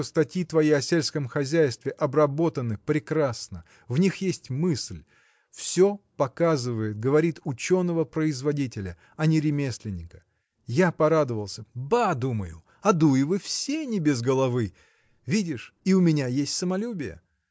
что статьи твои о сельском хозяйстве обработаны прекрасно в них есть мысль – все показывает говорит ученого производителя а не ремесленника. Я порадовался: Ба! думаю, Адуевы все не без головы! – видишь: и у меня есть самолюбие!